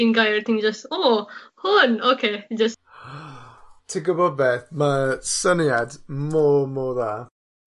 un gair a ti'n jys o hwn oce ti'n jyst... Ti'n gwbo beth ma' syniad mor mor dda.